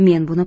men buni